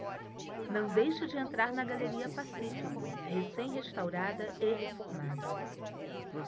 não deixe de entrar na galeria pacífico recém restaurada e reformada